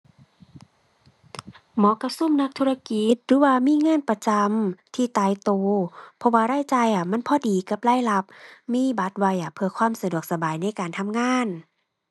เหมาะกับซุมนักธุรกิจหรือว่ามีงานประจำที่ตายตัว เพราะว่ารายจ่ายอะ มันพอดีกับรายรับ มีบัตรไว้อะ เพื่อความสะดวกสบายในการทำงาน